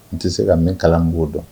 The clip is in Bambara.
N tɛ se ka min kalan n b'o dɔn